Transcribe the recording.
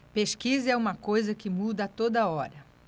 pesquisa é uma coisa que muda a toda hora